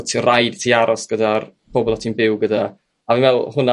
bod raid i ti aros gyda'r pobol o ti'n byw gyda a fi meddwl hwnne